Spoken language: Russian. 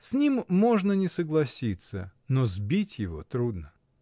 С ним можно не согласиться, но сбить его трудно.